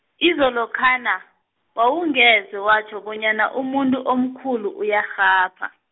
izolokha na, wawungeze watjho bonyana umuntu omkhulu uyarhapha.